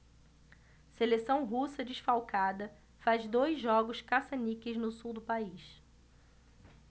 seleção russa desfalcada faz dois jogos caça-níqueis no sul do país